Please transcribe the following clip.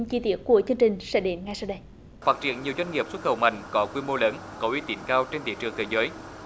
chi tiết của chương trình sẽ đến ngay sau đây phát triển nhiều doanh nghiệp xuất khẩu mần có quy mô lớn có uy tín cao trên thị trường thế giới